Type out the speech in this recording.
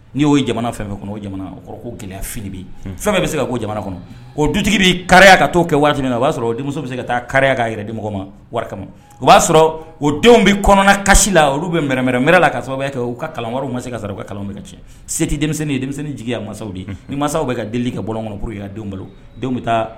N'i yeo jamana kɔnɔ o o ko gɛlɛya fini fɛn bɛ se ka ko jamana kɔnɔ o dutigi bɛ kari ka kɛ waati min o b'a sɔrɔ denmuso bɛ se ka taa ka ka yɛrɛ di ma o b'a sɔrɔ o denw bɛ kɔnɔna kasi la olu bɛɛrɛɛrɛ la ka sababu kɛ u ka kalan ma se ka ka ka tiɲɛ se tɛ denmisɛnnin ye denmisɛnnin jigiya mansaw de ni mansaw bɛ ka deli ka bɔ kɔnɔuru i' denw balo bɛ taa